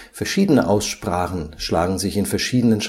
Verschiedene Aussprachen schlagen sich in verschiedenen